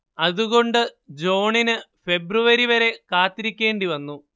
അതുകൊണ്ട് ജോണിന് ഫെബ്രുവരി വരെ കാത്തിരിക്കേണ്ടിവന്നു